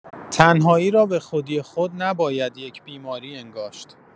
تنهایی را به‌خودی‌خود نباید یک بیماری انگاشت.